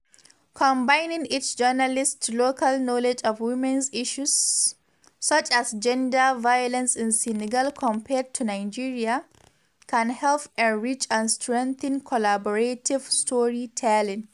Combining each journalist's local knowledge of women's issues — such as gender violence in Senegal compared to Nigeria — can help enrich and strengthen collaborative storytelling.